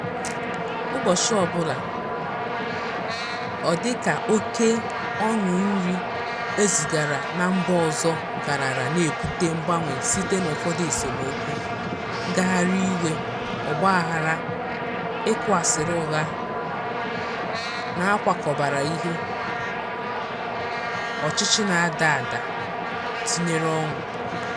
Ụbọchị ọbụla, ọ dị ka, oke ọnụ nri e zigara na mba ọzọ galara na-ebute mgbanwe site n'ụfọdụ esemokwu: ngagharị iwe, ogbaaghara, ị kụ asịrị ụgha na a kwakọbara ihe, ọchịchị na-ada ada, tinyere ọnwụ.